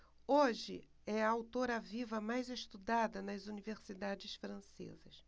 hoje é a autora viva mais estudada nas universidades francesas